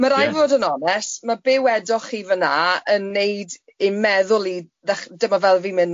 Ma raid fod yn onest ma be wedoch chi fy'na yn wneud i'n meddwl i ddych- dyma fel fi'n mynd.